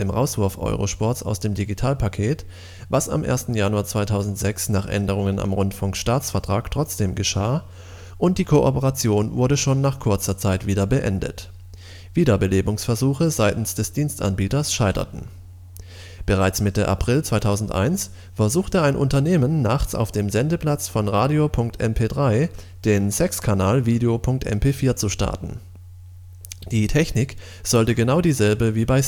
Rauswurf Eurosports aus dem Digitalpaket, was am 1. Januar 2006 nach Änderungen am Rundfunkstaatsvertrag trotzdem geschah) und die Kooperation wurde schon nach kurzer Zeit wieder beendet. Wiederbelebungsversuche seitens des Diensteanbieters scheiterten. Bereits Mitte April 2001 versuchte ein Unternehmen nachts auf dem Sendeplatz von r @ dio.mp3 den Sexkanal Video.mp4 zu starten. Die Technik sollte genau dieselbe wie bei